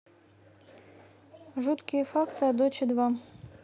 жуткие факты о доче два